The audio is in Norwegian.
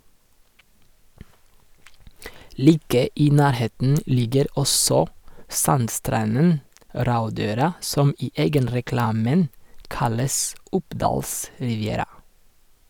Like i nærheten ligger også sandstranden Raudøra som i egenreklamen kalles "Oppdals riviera".